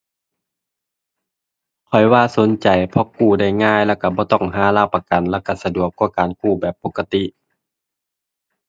ข้อยว่าสนใจ เพราะกู้ได้ง่ายแล้วก็บ่ต้องหาหลักประกัน แล้วก็สะดวกกว่าการกู้แบบปกติ